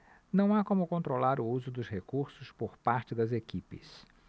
não há como controlar o uso dos recursos por parte das equipes